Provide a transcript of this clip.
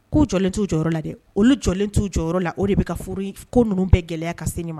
K'u jɔlen t'u jɔyɔrɔ la dɛ olu jɔlen t'u jɔyɔrɔ la o de bɛ ka furu ko ninnu bɛɛ gɛlɛya ka se ɲɛɲuman